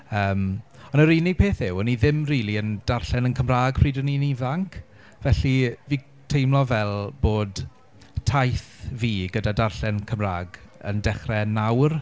Yym ond yr unig peth yw o'n i ddim rili yn darllen yn Cymraeg pryd o'n i'n ifanc. Felly fi teimlo fel bod taith fi gyda darllen Cymraeg yn dechrau nawr.